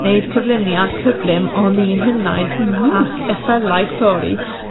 neud cyflyniand cyflym o ni'n hynain... Mmm... ac effylaith stori